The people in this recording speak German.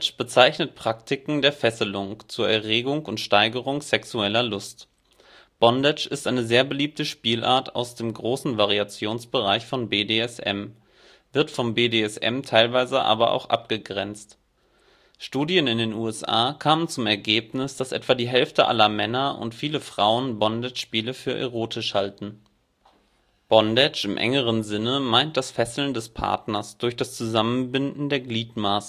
bezeichnet Praktiken der Fesselung zur Erregung und Steigerung sexueller Lust. Bondage ist eine sehr beliebte Spielart aus dem großen Variationsbereich von BDSM, wird vom BDSM teilweise aber auch abgegrenzt. Studien in den USA kamen zum Ergebnis, dass etwa die Hälfte aller Männer und viele Frauen Bondagespiele für erotisch halten. Bondage im engeren Sinne meint das Fesseln des Partners durch das Zusammenbinden der Gliedmaßen